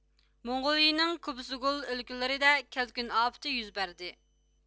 موڭغۇلىيىنىڭ كۇبسۇگۇل ئۆلكىلىرىدە كەلكۈن ئاپىتى يۈز بەردى